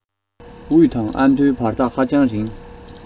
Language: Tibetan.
དབུས དང ཨ མདོའི བར ཐག ཧ ཅང རིང